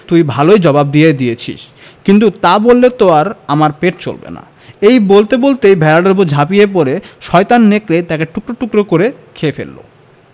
তুই ভালই জবাব দিয়ে দিয়েছিস কিন্তু তা বললে তো আর আমার পেট চলবে না এই বলতে বলতেই ভেড়াটার উপর ঝাঁপিয়ে পড়ে শয়তান নেকড়ে তাকে টুকরো টুকরো করে খেয়ে ফেলল